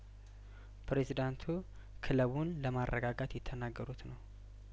ፕሬዚዳንቱ ክለቡን ለማረጋጋት የተናገሩት ነው